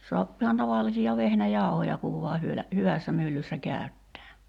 saa ihan tavallisia vehnäjauhoja kun vain hyvällä hyvässä myllyssä käyttää